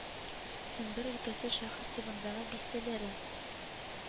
Сембер өлкәсе шәһәр тибындагы бистәләре